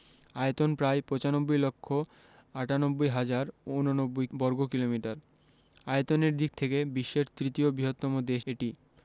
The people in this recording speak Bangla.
আয়তন প্রায় ৯৫ লক্ষ ৯৮ হাজার ৮৯ বর্গকিলোমিটার আয়তনের দিক থেকে বিশ্বের তৃতীয় বৃহত্তম দেশ এটি